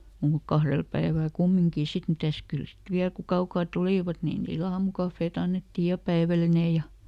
mutta kahdella päivällä kumminkin sitten mitäs kyllä sitten vielä kun kaukaa tulivat niin niillä aamukahvit annettiin ja päivällinen ja